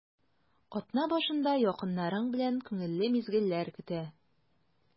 Атна башында якыннарың белән күңелле мизгелләр көтә.